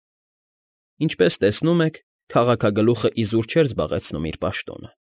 Ինչպես տեսնում եք, քաղաքագլուխն իզուր չէր զբաղեցնում իր պաշտոնը։